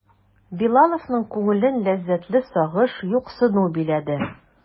Билаловның күңелен ләззәтле сагыш, юксыну биләде.